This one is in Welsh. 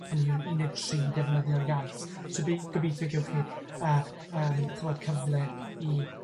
Hynny yw uned tri defnyddio'r iaith. So bei- gobeithio gewch chi yy yym ch'mod cyfle i